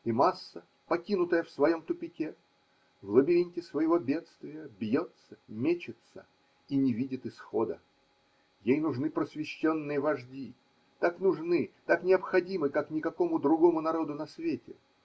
И масса, покинутая в своем тупике, в лабиринте своего бедствия, бьется, мечется и не видит исхода: ей нужны просвещенные вожди, так нужны, так необходимы, как никакому другому народу на свете.